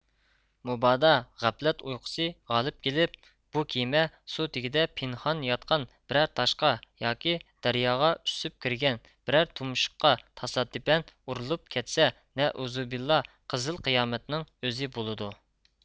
مۇبادا غەپلەت ئۇيقۇسى غالىپ كېلىپ بۇ كېمە سۇ تېگىدە پىنھان ياتقان بىرەر تاشقا ياكى دەرياغا ئۈسۈپ كىرگەن بىرەر تۇمشۇققا تاسادىپەن ئۇرۇلۇپ كەتسە نەئۇزۇبىللا قىزىل قىيامەتنىڭ ئۆزى بولىدۇ